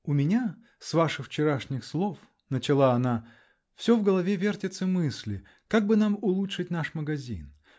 -- У меня, с ваших вчерашних слов, -- начала она, -- все в голове вертятся мысли, как бы нам улучшить наш магазин.